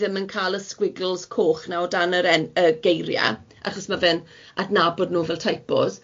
ddim yn ca'l y sgwigls coch ne o dan yr en- yy geirie, achos ma' fe'n adnabod nw fel taipos.